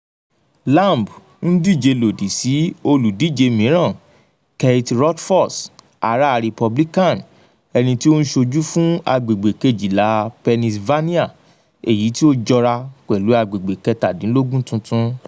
Lamb ń díje lòdì sí olùdíje mìíràn, Keith Rothfus ará Republican, ẹni tí ó ń ṣojú fún agbègbè kejìlá Pennsylvania, èyí tí ó jọra pẹ̀lú agbẹ̀gbẹ̀ kẹ́tàdínlógún tuntun.